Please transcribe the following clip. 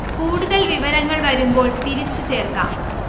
കൂടുതൽ വിവരങ്ങൾ വരുമ്പോൾ തിരിച്ചു ചേർക്കാം